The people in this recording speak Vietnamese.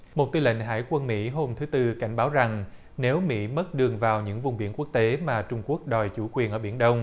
một tư lệnh hải quân mỹ hôm thứ tư cảnh báo rằng nếu bị mất đường vào những vùng biển quốc tế mà trung quốc đòi chủ quyền ở biển đông